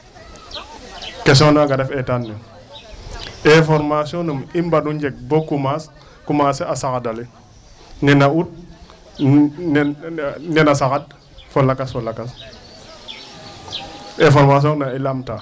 Question naaga ref eetaan ne information num i mbaru njeg bo commence commencer a saxad ale neen a ut neen nena saxad fo lakas fo lakas information ne i laamta ?